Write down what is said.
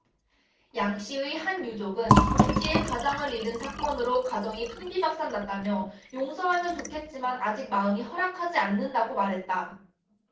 양 씨의 한 유족은 졸지에 가장을 잃은 사건으로 가정이 풍비박산 났다며 용서하면 좋겠지만 아직 마음이 허락하지 않는다고 말했다